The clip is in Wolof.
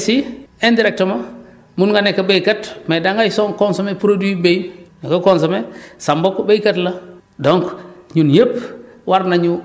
xam nga des fois da ngay ne ah man du ma béykat mais si indirectement mun nga nekk béykat mais da ngay soo consommer produit béy da nga consommer sa mbokku béykat la